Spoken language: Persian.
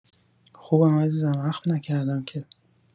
خوبم عزیزم اخم نکردم که